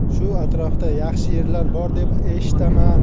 shu atrofda yaxshi yerlar bor deb eshitaman